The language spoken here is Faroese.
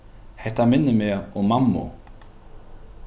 hetta minnir meg um mammu